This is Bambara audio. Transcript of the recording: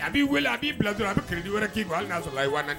A bɛ a b'i bila a ka kidi wɛrɛ k'i bɔ asɔrɔ la